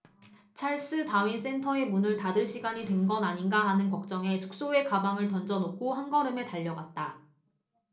찰스 다윈 센터의 문을 닫을 시간이 된 건 아닌가 하는 걱정에 숙소에 가방을 던져넣고 한걸음에 달려갔다